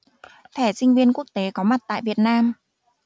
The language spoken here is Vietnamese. thẻ sinh viên quốc tế có mặt tại việt nam